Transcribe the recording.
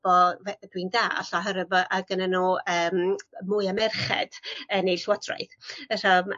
bo' fe- dwi'n dall' oherwy bo' o'dd gynnyn n'w yym mwy o merched yn eu llywodraeth yy so ma'